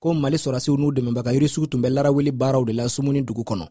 ko mali sɔrɔdasiw n'u dɛmɛbagaw irisiw tun bɛ laraweli baaraw sugu bɛɛ la sumuni dugu kɔnɔ